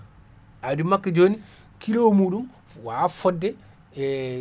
awdi makka joni kilo muɗum wawa fode ee